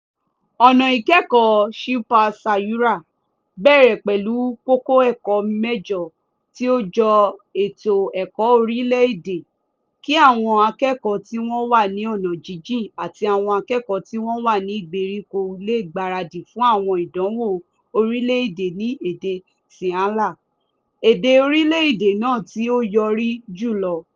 Ọ̀nà ìkẹ́kọ̀ọ́ Shilpa Sayura bẹ̀rẹ̀ pẹ̀lú kókó ẹ̀kọ́ mẹ́jọ tí ó jọ ètò ẹ̀kọ́ orílẹ̀ èdè kí àwọn akẹ́kọ̀ọ́ tí wọ́n wà ní ọ̀nà jíjìn àti àwọn akẹ́kọ̀ọ́ tí wọ́n wà ní ìgbèríko lè gbáradì fún àwọn ìdánwò orílẹ̀ èdè ní èdè Sinhala, èdè orílẹ̀ èdè náà tí ó yọrí jùlọ.